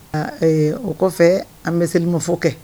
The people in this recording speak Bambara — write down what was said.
O kɔfɛ an bɛ selimafo kɛ